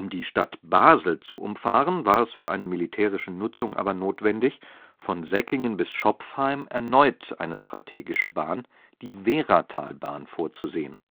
die Stadt Basel zu umfahren, war es für eine militärische Nutzung aber notwendig, von Säckingen bis Schopfheim erneut eine strategische Bahn – die Wehratalbahn – vorzusehen